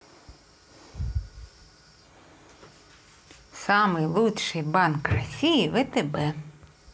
самый лучший банк россии втб